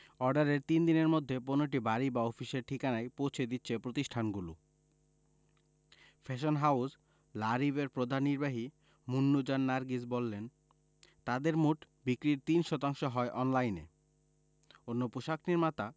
অর্ডারের তিন দিনের মধ্যে পণ্যটি বাড়ি বা অফিসের ঠিকানায় পৌঁছে দিচ্ছে প্রতিষ্ঠানগুলো ফ্যাশন হাউস লা রিবের প্রধান নির্বাহী মুন্নুজান নার্গিস বললেন তাঁদের মোট বিক্রির ৩ শতাংশ হয় অনলাইনে অন্য পোশাক নির্মাতা